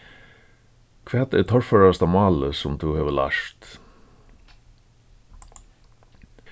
hvat er torførasta málið sum tú hevur lært